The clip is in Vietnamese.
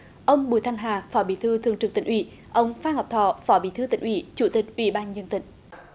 ông bùi thanh hà phó bí thư thường trực tỉnh ủy ông phan ngọc thọ phó bí thư tỉnh ủy chủ tịch ủy ban nhân dân tỉnh